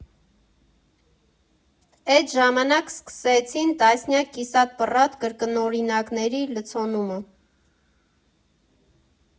Էդ ժամանակ սկսվեցին տասնյակ կիսատ֊պռատ կրկնօրինակների լցոնումը։